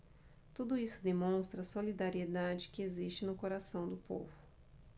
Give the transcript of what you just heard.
tudo isso demonstra a solidariedade que existe no coração do povo